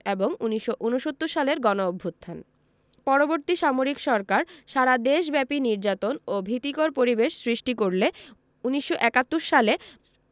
এবং ১৯৬৯ সালের গণঅভ্যুত্থান পরবর্তী সামরিক সরকার সারা দেশব্যাপী নির্যাতন ও ভীতিকর পরিবেশ সৃষ্টি করলে ১৯৭১ সালে